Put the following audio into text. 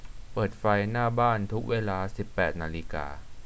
เปิดไฟหน้าบ้านทุกเวลาสิบแปดนาฬิกา